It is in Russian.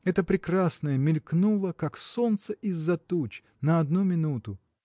Это прекрасное мелькнуло, как солнце из-за туч – на одну минуту.